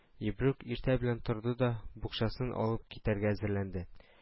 Ибрук иртә белән торды да букчасын алып китәргә әзерләнде